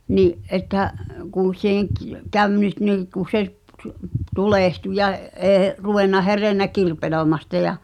niin että kun se - kävi nyt niin kuin se -- tulehtui ja ei ruvennut herennyt kirpeloimästä ja